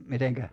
miten